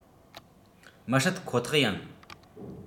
མི སྲིད ཁོ ཐག ཡིན